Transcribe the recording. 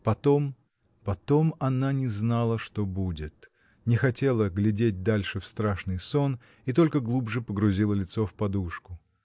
Потом, потом — она не знала, что будет, не хотела глядеть дальше в страшный сон и только глубже погрузила лицо в подушку.